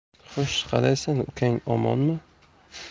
xo'sh qalaysan ukang omonmi